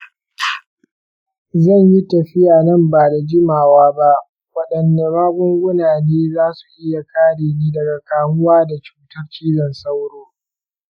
zan yi tafiya nan ba da jimawa ba, waɗanne magunguna ne za su iya kare ni daga kamuwa da cutar cizon sauro?